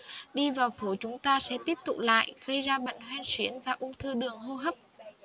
đi vào phổi chúng ta sẽ tích tụ lại gây ra bệnh hen suyễn và ung thư đường hô hấp